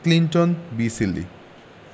Clinton B Seely